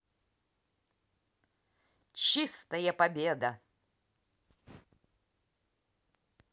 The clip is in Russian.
чистая победа